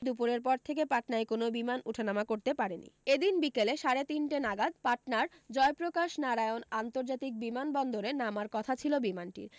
দুপুরের পর থেকে পাটনায় কোনও বিমানি ওঠানামা করতে পারেনি এ দিন বিকেল সাড়ে তিনটে নাগাদ পাটনার জয়প্রকাশ নারায়ণ আন্তর্জাতিক বিমানবন্দরে নামার কথা ছিল বিমানটির